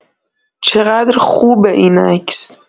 چقدر خوبه این عکس